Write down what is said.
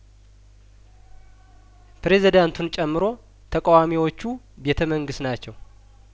ፕሬዝዳንቱን ጨምሮ ተቃዋሚዎቹ ቤተ መንግስት ናቸው